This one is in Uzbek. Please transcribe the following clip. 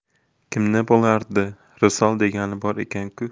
kimni bo'lardi risol degani bor ekan ku